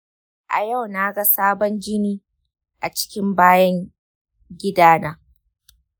a yau na ga sabon jini a cikin bayan gidana.